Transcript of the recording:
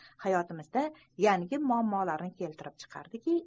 hayotimizda yangi muammolarni keltirib chiqardi